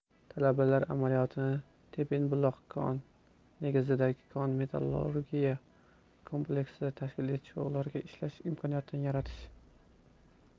talabalar amaliyotini tebinbuloq kon negizidagi kon metallurgiya kompleksida tashkil etish va ularga ishlash imkoniyatini yaratish